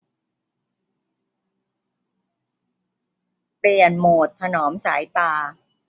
เปลี่ยนโหมดถนอมสายตา